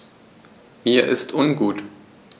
Mir ist ungut.